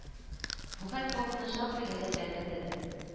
Бу хәл поварны шактый гаҗәпләндерде